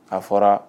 A fɔra